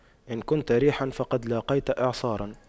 إن كنت ريحا فقد لاقيت إعصارا